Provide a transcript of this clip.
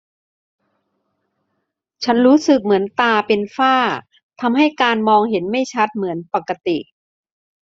ฉันรู้สึกเหมือนตาเป็นฝ้าทำให้การมองเห็นไม่ชัดเหมือนปกติ